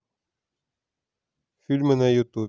фильмы на ютубе